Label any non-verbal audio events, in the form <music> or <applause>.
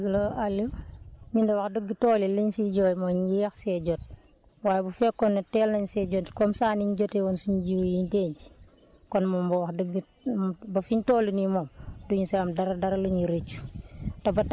waaw dëgg la Alioune ñun de wax dëgg tool yi liñ siy jooytu mooy ñu yéex see jot waaye bu fekkoon ne teel nañ see jot comme ça niñ jotee woon suñ jiw yiñ denc kon moom wax dëgg ba fiñ toll nii moom duñ si am dara dara lu ñuy rëccu <noise>